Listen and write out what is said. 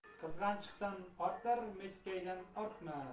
qizg'anchiqdan ortar mechkaydan ortmas